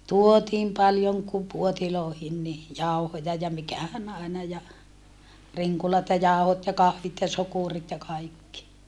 tuotiin paljon kun puoteihin niin jauhoja ja mikähän aina ja rinkulat ja jauhot ja kahvit ja sokerit ja kaikki